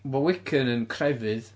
Mae wiccan yn crefydd.